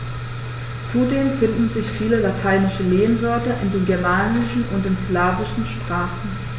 Zudem finden sich viele lateinische Lehnwörter in den germanischen und den slawischen Sprachen.